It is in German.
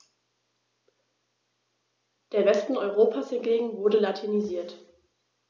Der Westen Europas hingegen wurde latinisiert.